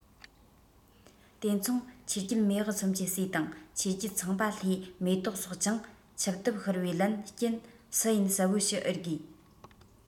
དེ མཚུངས ཆོས རྒྱལ མེས ཨག ཚོམ གྱི སྲས དང ཆོས རྒྱལ ཚངས པ ལྷའི མེ ཏོག སོགས ཀྱང ཆིབས བརྡབས ཤོར བའི ལན རྐྱེན སུ ཡིན གསལ པོ ཞུ ཨེ དགོས